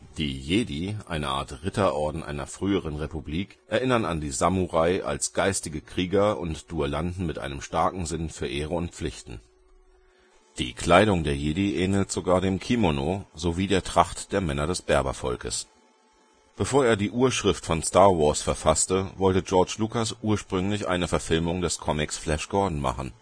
Die Jedi, eine Art Ritterorden einer früheren Republik, erinnern an die Samurai als geistige Krieger und Duellanten mit einem starken Sinn für Ehre und Pflichten. Die Kleidung der Jedi ähnelt sogar dem Kimono sowie der Tracht der Männer des Berbervolkes. Bevor er die Urschrift von Star Wars verfasste, wollte George Lucas ursprünglich eine Verfilmung des Comics Flash Gordon machen